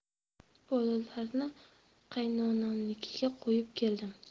bolalarni qaynonamnikiga qo'yib keldim